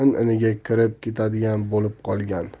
in iniga kirib ketadigan bo'lib qolgan